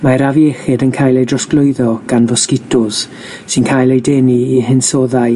Mae'r afiechyd yn cael ei drosglwyddo gan fosgitos sy'n cael ei denu i hinsoddau